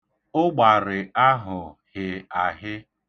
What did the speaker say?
Ụgbarị ahụ hị ahị.